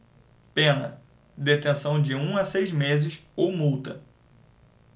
pena detenção de um a seis meses ou multa